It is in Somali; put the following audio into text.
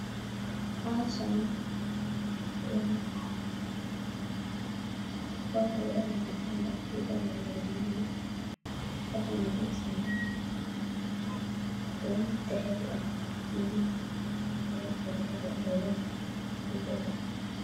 Meeshaani waa boobale cadaan madow Waxa dul saaran katiinad dahabi mid yaro